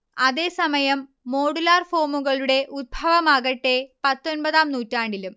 അതേസമയം, മോഡുലാർ ഫോമുകളുടെ ഉത്ഭവമാകട്ടെ, പത്തൊൻപതാം നൂറ്റാണ്ടിലും